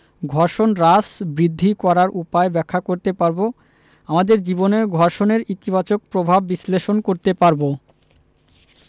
ঘর্ষণ হ্রাস বৃদ্ধি করার উপায় ব্যাখ্যা করতে পারব আমাদের জীবনে ঘর্ষণের ইতিবাচক প্রভাব বিশ্লেষণ করতে পারব